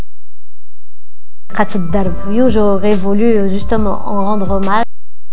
الدرب نيوز